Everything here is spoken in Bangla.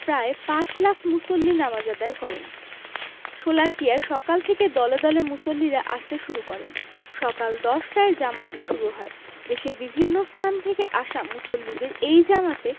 মাঠে প্রায় পাঁচ লাখ মুসল্লি নামাজ আদায় করেন শোলাকিয়ায় সকাল থেকে দলে দলে মুসল্লিরা আসতে শুরু করেন সকাল ১০টায় জামাত শুরু হয় দেশের বিভিন্ন স্থান থেকে আসা মুসল্লিদের এই জামাতে